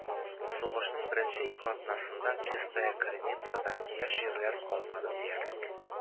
Сугышның беренче ике атнасында Чистая Криницада яшь ирләр калмады диярлек.